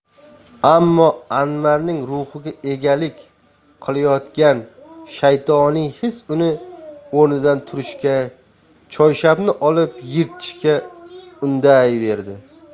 ammo anvarning ruhiga egalik qilayotgan shaytoniy his uni o'rnidan turishga choyshabni olib yirtishga undayverdi